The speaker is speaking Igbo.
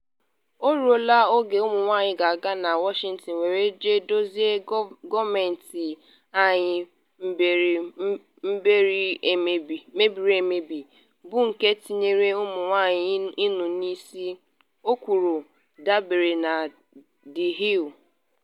“O ruola oge ụmụ-nwanyị ga-aga na Washington were jee dozie gọọmentị anyị mebiri emebi, bụ nke tinyere ụmụ-nwanyị ịnọ n’isi.” o kwuru, dabere na The Hill.